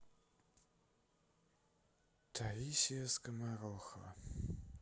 таисия скоморохова